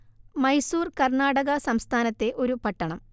മൈസൂർ കർണാടക സംസ്ഥാനത്തെ ഒരു പട്ടണം